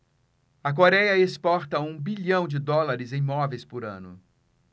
a coréia exporta um bilhão de dólares em móveis por ano